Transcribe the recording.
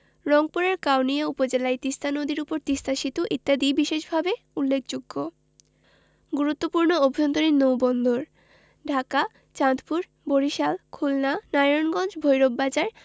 রংপুরের কাউনিয়া উপজেলায় তিস্তা নদীর উপর তিস্তা সেতু ইত্যাদি বিশেষভাবে উল্লেখযোগ্য গুরুত্বপূর্ণ অভ্যন্তরীণ নৌবন্দরঃ ঢাকা চাঁদপুর বরিশাল খুলনা নারায়ণগঞ্জ ভৈরব বাজার